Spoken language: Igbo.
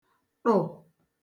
tụ̀